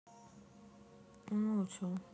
ну научу